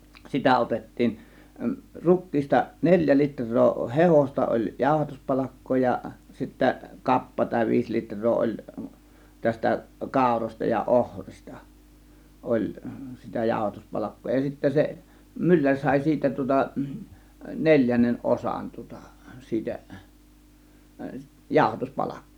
sitä otettiin rukiista neljä litraa hehdosta oli jauhatuspalkkaa ja sitten kappa tai viisi litraa oli tästä kaurasta ja ohrista oli sitä jauhatuspalkkaa ja sitten se mylläri sai siitä tuota neljännen osan tuota siitä - jauhatuspalkkiota